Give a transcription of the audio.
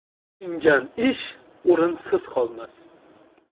uringan ish o'rinsiz qolmas